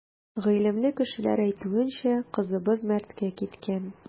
Гыйлемле кешеләр әйтүенчә, кызыбыз мәрткә киткән.